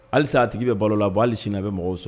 Halisa a tigi bɛ balo la a bɔ hali sini bɛ mɔgɔw sɔrɔ